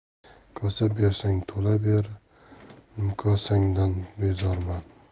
kosa bersang to'la ber nimkosangdan bezorman